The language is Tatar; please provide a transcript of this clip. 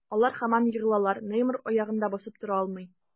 Алар һаман егылалар, Неймар аягында басып тора алмый.